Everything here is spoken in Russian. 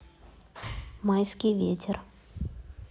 майский ветер